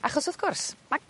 achos wrth gwrs ma'